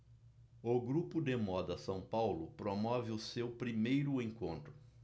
o grupo de moda são paulo promove o seu primeiro encontro